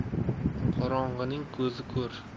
qorong'ining ko'zi ko'r